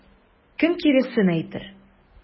Кем киресен әйтер?